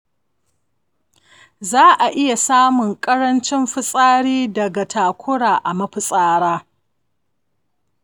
za'a iya samun ƙarancin fitsari daga takura a mafitsara